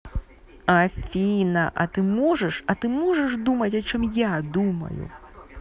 афина а ты можешь а ты можешь думать о чем я думаю